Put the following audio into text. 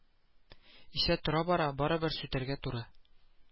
Исә тора-бара барыбер сүтәргә туры